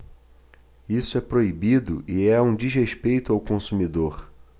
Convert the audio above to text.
isso é proibido e é um desrespeito ao consumidor